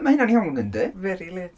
Mae hynna'n iawn yndi?... Very late.